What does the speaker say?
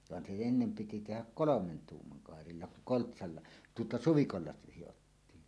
vaan se ennen piti tehdä kolmen tuuman kairalla kun koltsalla tuota suvikolla sidottiin